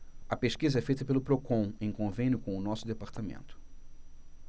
a pesquisa é feita pelo procon em convênio com o diese